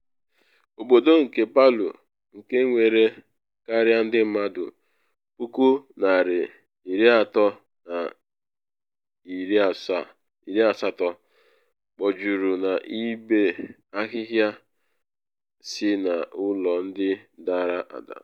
Obodo nke Palu, nke nwere karịa ndị mmadụ 380,000, kpojuru n’ibe ahịhịa si na ụlọ ndị dara ada.